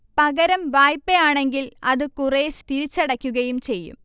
പകരം വായ്പയാണെങ്കിൽ അത് കുറേശേ തിരിച്ചടയ്ക്കുകയും ചെയ്യും